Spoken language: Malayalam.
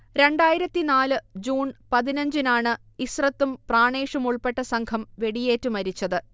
രണ്ടായിരത്തി നാല് ജൂൺ പതിനഞ്ചിനാണ്‌ ഇസ്രത്തും പ്രാണേഷുമുൾപ്പെട്ട സംഘം വെടിയേറ്റ് മരിച്ചത്